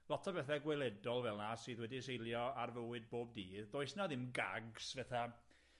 lot o bethe gweledol fel 'na sydd wedi seilio ar fywyd bob dydd, does 'na ddim gags feth a,